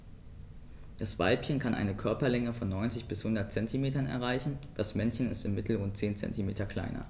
Das Weibchen kann eine Körperlänge von 90-100 cm erreichen; das Männchen ist im Mittel rund 10 cm kleiner.